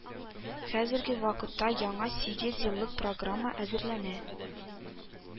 Хәзерге вакытта яңа сигез еллык программа әзерләнә